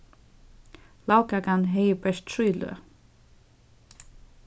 lagkakan hevði bert trý løg